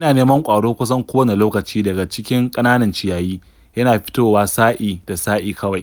Yana neman ƙwaro kusan kowane lokaci daga cikin ƙananan ciyayi, yana fitowa sa'i da sa'i kawai.